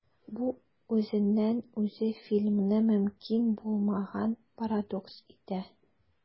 Бу үзеннән-үзе фильмны мөмкин булмаган парадокс итә.